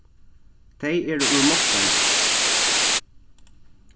tey eru úr morskranesi